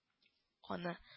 Аны